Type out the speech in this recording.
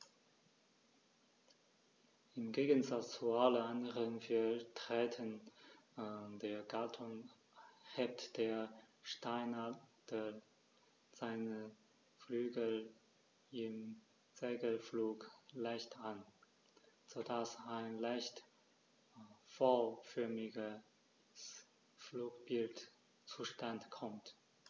Im Gegensatz zu allen anderen Vertretern der Gattung hebt der Steinadler seine Flügel im Segelflug leicht an, so dass ein leicht V-förmiges Flugbild zustande kommt.